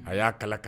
A y'a kala kan